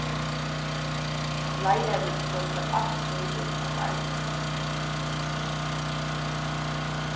leiðarin tosar altíð um at arbeiða